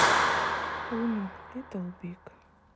уно литтл биг